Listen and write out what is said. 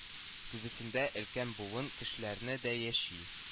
Күбесендә өлкән буын кешеләрне дә яши